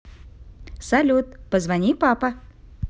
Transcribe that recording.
салют позвони папа